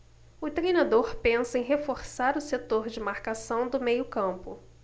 o treinador pensa em reforçar o setor de marcação do meio campo